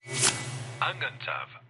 Yn gyntaf...